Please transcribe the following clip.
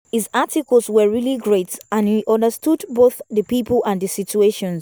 his articles were really great and he understood both the people and the situations.